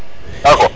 d' accord